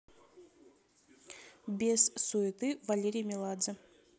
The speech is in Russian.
без суеты валерий меладзе